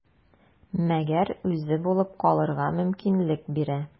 Мәгәр үзе булып калырга мөмкинлек бирә.